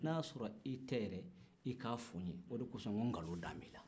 n'a y'a sɔrɔ i tɛ yɛrɛ i k'a fɔ n ye o de kɔsɔn n ko ko nkalon dalen b'i la